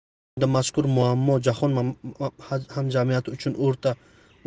bugungi kunda mazkur muammo jahon hamjamiyati uchun